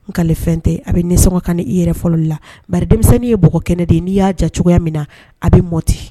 N kalefɛn tɛ a bɛ nisɔngɔ kani i yɛrɛ fɔlɔ de la bari denmisɛnnin ye bɔgɔ kɛnɛ de ye n'i y'a ja cogoya min na a bɛ mɔ ten